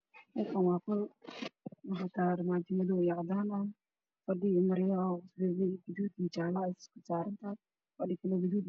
Meeshaan waa qol waxaa taalo armaajo madow iyo cadaan ah, fadhi,